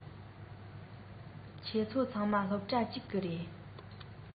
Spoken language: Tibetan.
ང ཚོ ཚང མ སློབ གྲྭ གཅིག གི རེད